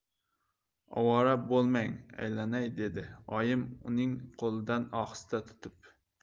ovora bo'lmang aylanay dedi oyim uning qo'lidan ohista tutib